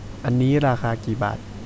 อันนี้ราคากี่บาท